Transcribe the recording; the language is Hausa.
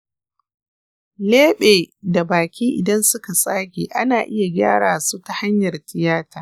leɓe da baki idan suka tsage ana iya gyarasu ta hanyar tiyata.